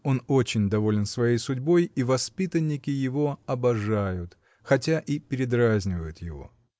Он очень доволен своей судьбой, и воспитанники его ""обожают", хотя и передразнивают его.